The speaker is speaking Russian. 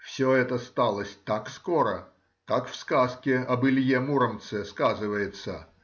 Все это сталось так скоро, как в сказке об Илье Муромце сказывается